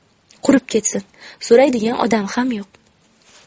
qurib ketsin so'raydigan odam ham yo'q